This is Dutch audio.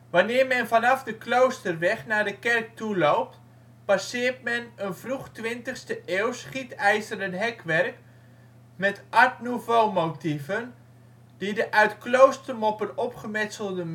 Wanneer men vanaf de Kloosterweg naar de kerk toeloopt, passeert men een vroeg 20e eeuws gietijzeren hekwerk met Art Nouveau-motieven, die de uit kloostermoppen opgemetselde